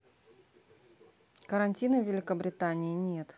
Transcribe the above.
карантина в великобритании нет